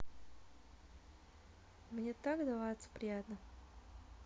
мне так даваться приятно